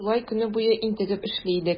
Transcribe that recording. Шулай көне буе интегеп эшли идек.